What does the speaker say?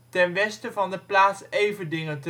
ten westen van de plaats Everdingen